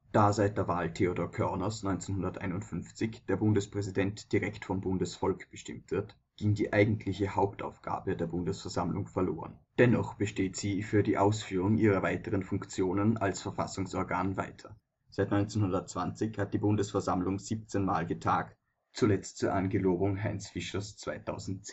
Da seit der Wahl Theodor Körners 1951 der Bundespräsident direkt vom Bundesvolk bestimmt wird, ging die eigentliche Hauptaufgabe der Bundesversammlung verloren. Dennoch besteht sie für die Ausführung ihrer weiteren Funktionen als Verfassungsorgan weiter. Seit 1920 hat die Bundesversammlung 17 Mal getagt, zuletzt zur Angelobung Heinz Fischers 2010